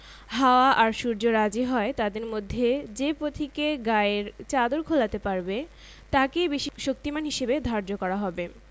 হাওয়া আর সূর্য রাজি হয় তাদের মধ্যে যে পথিকে গায়ের চাদর খোলাতে পারবে তাকেই বেশি শক্তিমান হিসেবে ধার্য করা হবে